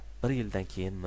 bir yildan keyinmi